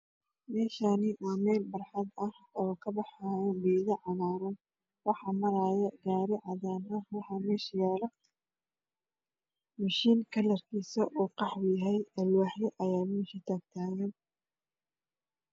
Meshani waa mel narxad ah ookabaxayo geedo cagarn waxa narayo gari cadan ah waxa mesh yalo mashiin kslarkis qahwi yahay alwaxyo aya nesh tagan